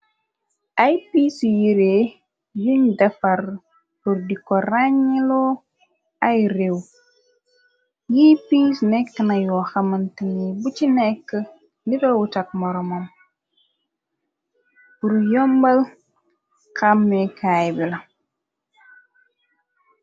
Ay pisee si yere yuñ defar pur diko rañeloo ay réew yiy piese neka na yoo xamantene bu ci neka nduru wutak moromam pul yombal xamekaay bi la.